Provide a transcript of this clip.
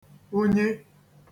unyi